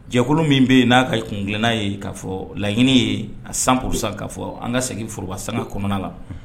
Jɛkulu min bɛ yen n'a ka kunkenna ka tunkarankew ye k'a fɔ laɲiw ye k'a fɔ an ka segin 100 % fororoba fanga kɔnɔnam la